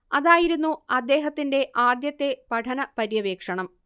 അതായിരുന്നു അദ്ദേഹത്തിന്റെ ആദ്യത്തെ പഠന പര്യവേക്ഷണം